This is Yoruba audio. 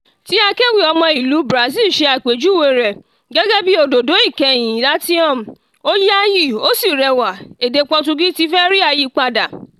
Ti akẹ́wì ọmọ ìlú Brazil ṣe àpéjúwe rẹ̀ gẹ́gẹ́ bíi "òdòdó ìkẹyìn Latium, ó yááyì ó sì rẹwà", èdè Pọtugí ti fẹ́ rí àyípadà.